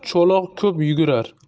cho'loq ko'p yugurar